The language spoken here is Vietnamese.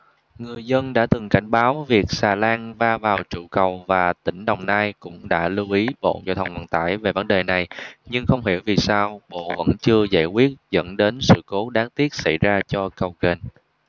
người dân đã từng cảnh báo việc sà lan va vào trụ cầu và tỉnh đồng nai cũng đã lưu ý bộ giao thông vận tải về vấn đề này nhưng không hiểu vì sao bộ vẫn chưa giải quyết dẫn đến sự cố đáng tiếc xảy ra cho cầu ghềnh